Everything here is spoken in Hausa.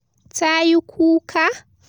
“Tayi kuka”?””